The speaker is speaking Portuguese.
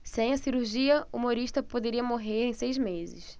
sem a cirurgia humorista poderia morrer em seis meses